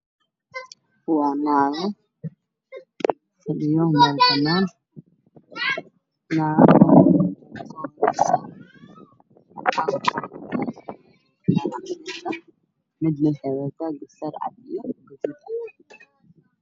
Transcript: Waxaa ii muuqdaa laba gabdhood waxayna wataan go'o iyo dirac